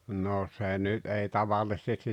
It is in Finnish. no se nyt ei tavallisesti